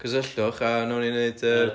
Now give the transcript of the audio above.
cysylltwch a wnawn ni neud yr...